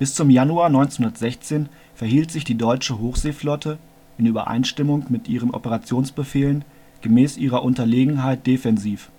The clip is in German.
zum Januar 1916 verhielt sich die deutsche Hochseeflotte, in Übereinstimmung mit ihren Operationsbefehlen, gemäß ihrer Unterlegenheit defensiv